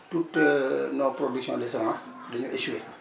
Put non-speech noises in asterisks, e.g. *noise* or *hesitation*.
toute *noise* *hesitation* nos productions de semence dañoo échoué